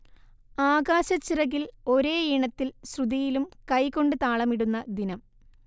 ആകാശച്ചിറകിൽ ഒരേ ഈണത്തിൽ ശ്രുതിയിലും കൈകൊണ്ട് താളമിടുന്ന ദിനം